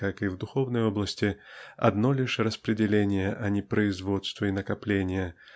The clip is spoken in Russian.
как и в духовной области одно лишь распределение а не производство и накопление